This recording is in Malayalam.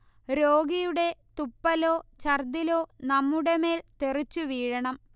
രോഗിയുടെ തുപ്പലോ ഛർദ്ദിലോ നമ്മുടെ മേൽ തെറിച്ചു വീഴണം